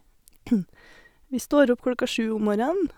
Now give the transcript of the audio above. Vi står opp klokka sju om morgenen.